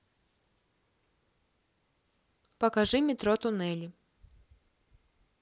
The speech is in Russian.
покажи метро туннели